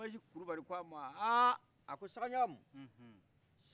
basi kulubali ko a ma a ko sagaɲagamu